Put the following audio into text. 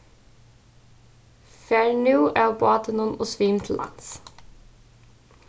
far nú av bátinum og svim til lands